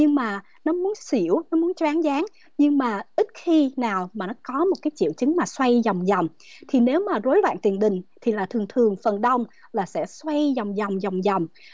nhưng mà nó muốn xỉu nó muốn choáng váng nhưng mà ít khi nào mà nó có một cái triệu chứng mà xoay dòng dòng thì nếu mà rối loạn tiền đình thì là thường thường phần đông là sẽ xoay dòng dòng dòng dòng